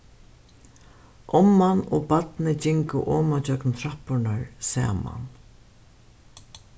omman og barnið gingu oman gjøgnum trappurnar saman